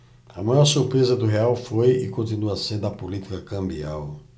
a maior surpresa do real foi e continua sendo a política cambial